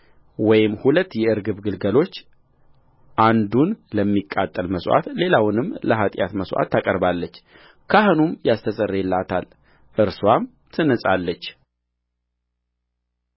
ወይም ሁለት የርግብ ግልገሎች አንዱን ለሚቃጠል መሥዋዕት ሌላውንም ለኃጢአት መሥዋዕት ታቀርባለች ካህኑም ያስተሰርይላታል እርስዋም ትነጻለች